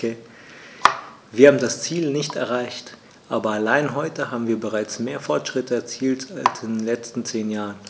Wir haben das Ziel nicht erreicht, aber allein heute haben wir bereits mehr Fortschritte erzielt als in den letzten zehn Jahren.